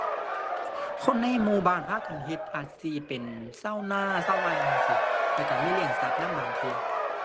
คนในหมู่บ้านพากันเฮ็ดอาชีพเป็นชาวนาชาวไร่จั่งซี้ แล้วชาวมีเลี้ยงสัตว์นำบางเที่ย